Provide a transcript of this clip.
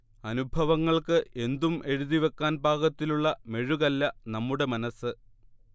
അനുഭവങ്ങൾക്ക് എന്തും എഴുതിവെക്കാൻ പാകത്തിലുള്ള മെഴുകല്ല നമ്മുടെ മനസ്സ്